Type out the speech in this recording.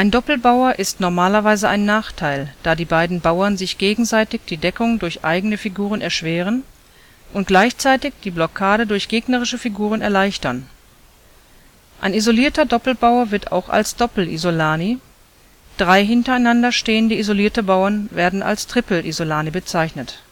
Doppelbauer ist normalerweise ein Nachteil, da die beiden Bauern sich gegenseitig die Deckung durch eigene Figuren erschweren und gleichzeitig die Blockade durch gegnerische Figuren erleichtern. Ein isolierter Doppelbauer wird auch als Doppel-Isolani, drei hintereinander stehende isolierte Bauern werden als Tripel-Isolani bezeichnet